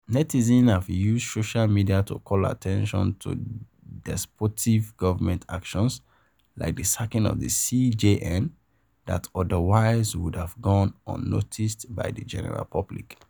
Netizens have used social media to call attention to despotic government actions like the sacking of the CJN, that otherwise would have gone unnoticed by the general public.